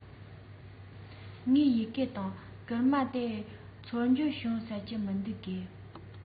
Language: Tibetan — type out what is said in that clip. ངའི ཡི གེ དང བསྐུར མ དེ ཚོ འབྱོར བྱུང ཟེར གྱི མི འདུག གས